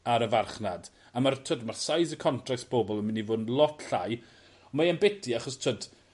ar y farchnad a ma'r t'wod ma'r seis y contracts pobol yn mynd i fod yn lot llai mae e'n biti achos t'wod